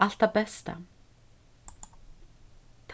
alt tað besta